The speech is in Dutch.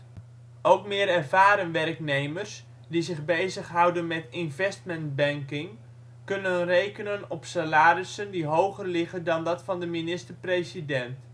meer ervaren werknemers die zich bezig houden met investment banking kunnen rekenen op salarissen die hoger liggen dan dat van de minister president